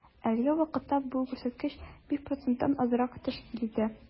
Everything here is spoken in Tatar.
Әлеге вакытта бу күрсәткеч 5 проценттан азрак тәшкил итә.